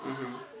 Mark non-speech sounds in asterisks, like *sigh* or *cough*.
*hesitation* *hesitation*